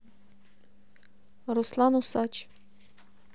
руслан усач